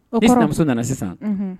O kɔrɔ? E sinamuso nana sisan, unhun